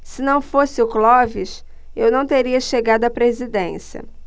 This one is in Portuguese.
se não fosse o clóvis eu não teria chegado à presidência